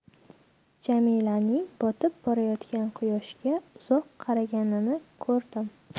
jamilaning botib borayotgan quyoshga uzoq qaraganini ko'rdim